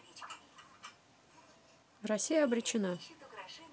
россия обречена